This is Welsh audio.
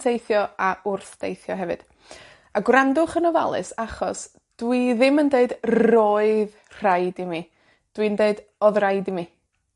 teithio a wrth deithio hefyd. A gwrandwch yn ofalus, achos dwi ddim yn deud roedd rhaid i mi. Dwi'n dweud odd raid i mi.